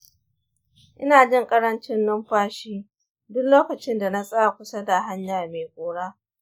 ina jin ƙarancin numfashi duk lokacin da na tsaya kusa da hanya mai ƙura.